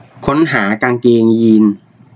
ค้นหากางเกงยีน